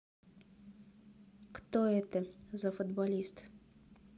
кто это за футболист